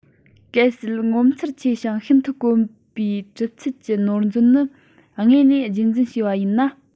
གལ སྲིད ངོ མཚར ཆེ ཞིང ཤིན ཏུ དཀོན པའི གྲུབ ཚུལ གྱི ནོར འཛོལ ནི དངོས གནས རྒྱུད འཛིན བྱས པ ཡིན ན